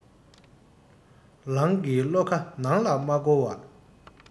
རང གི བློ ཁ ནང ལ མ བསྐོར བར